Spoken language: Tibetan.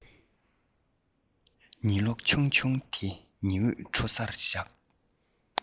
ཉི གློག ཆུང ཆུང དེ ཉི འོད འཕྲོ སར བཞག